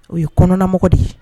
O ye kɔnɔnamɔgɔ de ye